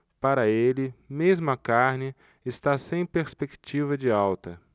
para ele mesmo a carne está sem perspectiva de alta